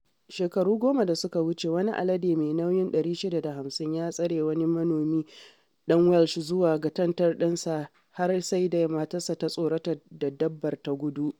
Shekaru goma da suka wuce, wani alade mai nauyi 650 ya tsire wani manomi dan Welsh zuwa ga tantan ɗinsa har sai da matarsa ta tsorata da dabbar ta gudu.